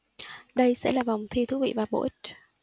đây sẽ là vòng thi thú vị và bổ ích